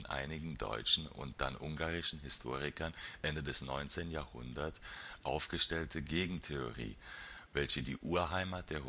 deutschen und dann ungarischen Historikern Ende des 19. Jahrhundert aufgestellte Gegentheorie, welche die Urheimat der